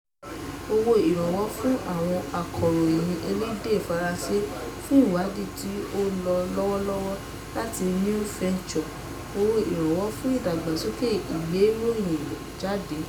Owó ìrànwọ́ fún àwọn akọ̀ròyìn elédè Faransé fún ìwádìí tí ó ń lọ lọ́wọ́lọ́wọ́ wá láti New Venture, owó ìrànwọ́ fún ìdàgbàsókè ìgbéròyìnjáde.